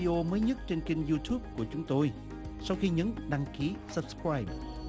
ô mới nhất trên kênh diu túp của chúng tôi sau khi nhấn đăng ký sắp pờ rai